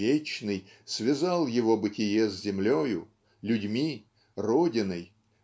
вечный связал его бытие с землею людьми родиной